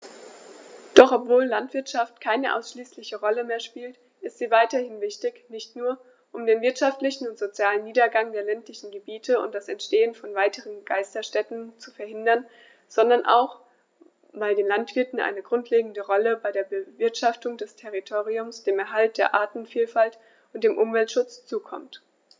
Doch obwohl die Landwirtschaft keine ausschließliche Rolle mehr spielt, ist sie weiterhin wichtig, nicht nur, um den wirtschaftlichen und sozialen Niedergang der ländlichen Gebiete und das Entstehen von weiteren Geisterstädten zu verhindern, sondern auch, weil den Landwirten eine grundlegende Rolle bei der Bewirtschaftung des Territoriums, dem Erhalt der Artenvielfalt und dem Umweltschutz zukommt.